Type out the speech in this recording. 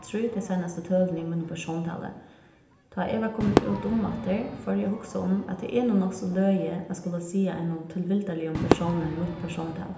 trý tey seinastu tølini í mínum persónstali tá eg var komin út um aftur fór eg at hugsa um at tað er nú nokk so løgið at skula siga einum tilvildarligum persóni mítt persónstal